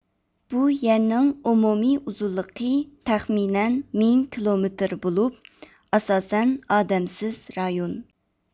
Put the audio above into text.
بۇ يەرنىڭ ئومۇمىي ئۇزۇنلۇقى تەخمىنەن مىڭ كىلومېتىر بولۇپ ئاساسەن ئادەمسىز رايون